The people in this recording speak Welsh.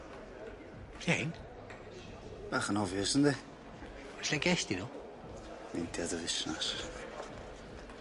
Be' 'di rhein? Bach yn obvious yndi? Lle gest di nw? Meindia dy fusnes.